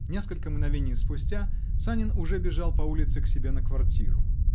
Несколько мгновений спустя Санин уже бежал по улице к себе на квартиру.